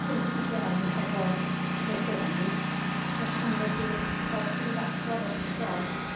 pwysig iawn hefo'r ffrwythloni achos hwnnw 'di fel prifathro'r ysgol,